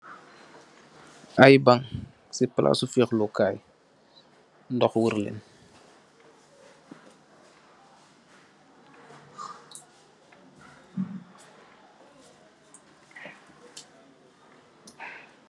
Aye bang si palasi fihlogai , dohh worr leeh .